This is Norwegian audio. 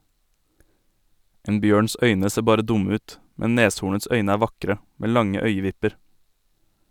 En bjørns øyne ser bare dumme ut, men neshornets øyne er vakre, med lange øyevipper.